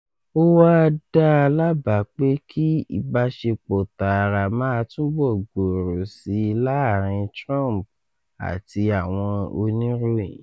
Ó wá dá lábàá pé kí ìbáṣepọ̀ tààrà máa túnbọ gbòòrò síi láàrin Trump àti àwọn oníròyìn.